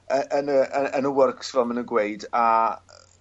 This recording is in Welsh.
y- yn y yn yn y works fel ma' nw gweud a yy